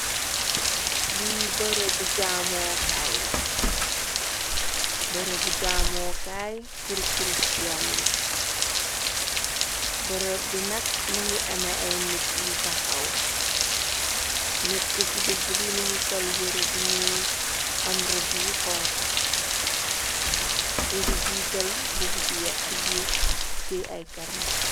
Lii bërë bu jaamokaay pur khristian yi bërëb bi nag mi ngi ame ay nit yu taxaw neku ci digg bi mi ngi sol yere bu ñyuul am rëdi yu xonxo ngi jiital bubusu weex ci biir tee ay karne.